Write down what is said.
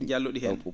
jallu?i hee